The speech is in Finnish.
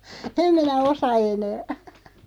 en minä osaa enää